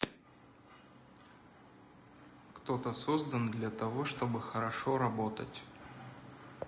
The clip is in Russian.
кто то создан для того чтобы хорошо работать